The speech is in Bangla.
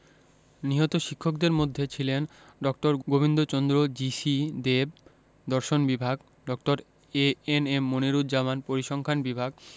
নিহত শিক্ষকদের মধ্যে ছিলেন ড. গোবিন্দচন্দ্র জি.সি দেব দর্শন বিভাগ ড. এ.এন.এম মনিরুজ্জামান পরিসংখান বিভাগ